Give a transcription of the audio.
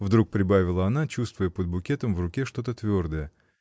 — вдруг прибавила она, чувствуя под букетом в руке что-то твердое.